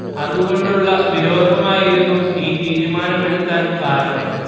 അതുകൊണ്ടുള്ള വിരോധമായിരുന്നു ഈ തീരുമാനമെടുക്കാൻ കാരണം